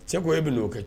Cɛ ko e bɛ don o kɛ